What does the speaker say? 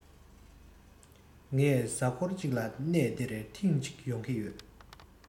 ངས གཟའ མཁོར ཅིག ལ གནས འདིར ཐེང ཅིག ཡོང གི ཡོད